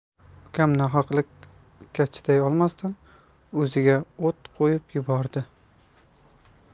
ukam nohaqlikka chiday olmasdan o'ziga o't qo'yib yubordi